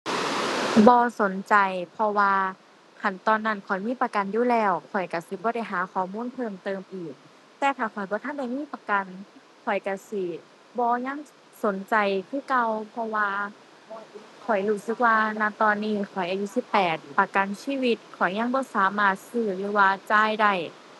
บ่สนใจ เพราะว่าคันตอนนั้นข้อยมีประกันอยู่แล้ว ข้อยก็สิบ่ได้หาข้อมูลเพิ่มเติมอีก แต่ถ้าข้อยบ่ทันได้มีประกัน ข้อยก็สิบ่ยังสนใจคือเก่า เพราะว่าข้อยรู้สึกว่า ณ ตอนนี้ข้อยอายุสิบแปด ประกันชีวิตข้อยยังบ่สามารถซื้อหรือว่าจ่ายได้